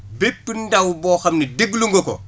bépp ndaw boo xam ne déglu nga ko